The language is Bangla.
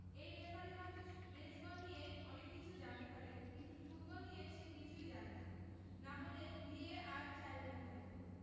এই রেফারি হয়তো বেসবল নিয়ে অনেক কিছু জানতে পারে কিন্তু ফুটবল নিয়ে সে কিছুই জানে না না হলে ভিএআর চাইবে না কেন